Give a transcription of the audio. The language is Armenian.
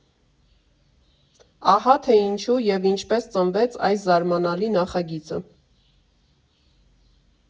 Ահա թե ինչու և ինչպես ծնվեց այս զարմանալի նախագիծը։